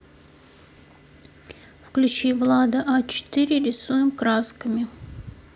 включи влада а четыре рисует красками